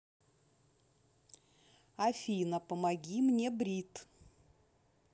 афина помоги мне брит